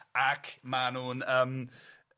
Ac ma' nw'n yym.